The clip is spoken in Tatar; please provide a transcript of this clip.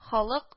Халык